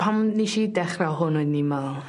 Pam nesh i dechra hwn o'n i me'wl